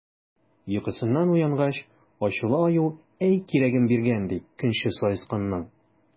Йокысыннан уянгач, ачулы Аю әй кирәген биргән, ди, көнче Саесканның!